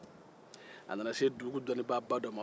a nana se dugu dɔnnibaaba dɔ ma